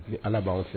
Ni ala b'aw fɛ